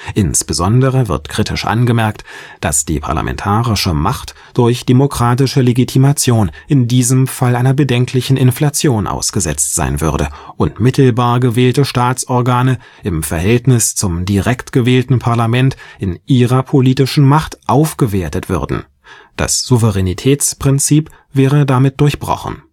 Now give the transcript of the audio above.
Insbesondere wird kritisch angemerkt, dass die parlamentarische Macht durch demokratische Legitimation in diesem Fall einer bedenklichen Inflation ausgesetzt sein würde und mittelbar gewählte Staatsorgane im Verhältnis zum direkt gewählten Parlament in ihrer politischen Macht aufgewertet würden. Das Souveränitätsprinzip wäre damit durchbrochen